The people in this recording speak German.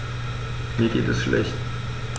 Mir geht es schlecht.